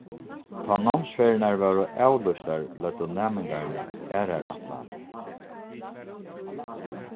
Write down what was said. tá námsferðirnar vórðu avlýstar løgdu næmingarnir aðrar ætlanir